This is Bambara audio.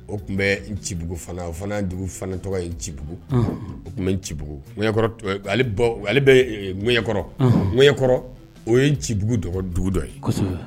O tun bɛ cibugu fana o fana ye dugu fana tɔgɔ ye cibugu o tun bɛ cibugu bɛ ŋɲɛkɔrɔ ŋkɔrɔ o ye cibugu dɔgɔ dugu dɔ ye